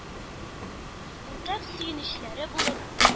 Уртак сөенечләре булып,